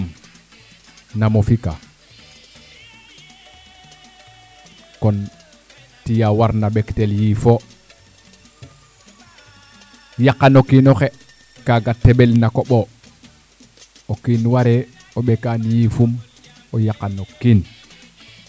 namo fika kon tiya warna ɓektel yiifo yaqano kiinoxe kaga teɓel na koɓo o kiin ware o ɓekaan yiifum o yaqano kiin \